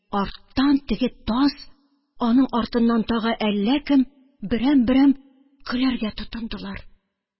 Арттан теге Таз, аның артыннан тагы әллә кем, берәм -берәм көләргә тотындылар.